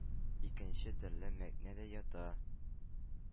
Икенче төрле мәгънә дә ята.